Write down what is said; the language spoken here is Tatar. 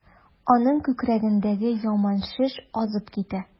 Аның күкрәгендәге яман шеш азып китә.